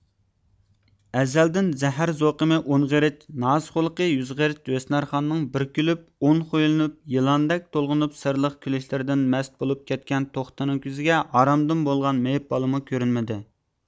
ئەزەلدىن زەھەر زوقۇمى ئون غېرىچ ناز خۇلقى يۈز غېرىچ ھۆسنارخاننىڭ بىر كۈلۈپ ئون خۇيلىنىپ يىلاندەك تولغىنىپ سىرلىق كۈلۈشلىرىدىن مەست بولۇپ كەتكەن توختىنىڭ كۆزىگە ھارامدىن بولغان مېيىپ بالىمۇ كۆرۈنمىدى